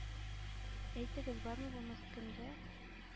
Әйтегез, бармы бу мескендә?